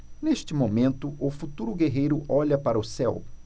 neste momento o futuro guerreiro olha para o céu